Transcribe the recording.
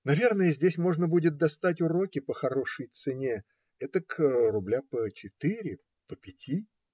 Наверно, здесь можно будет достать уроки по хорошей цене, этак рубля по четыре, по пяти.